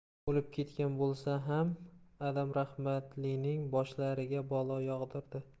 o'lib ketgan bo'lsa ham adam rahmatlining boshlariga balo yog'dirdi